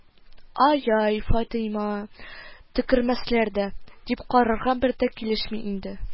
Ай-яй, Фатыйма, «төкермәсләр дә» дип карарга бер дә килешми инде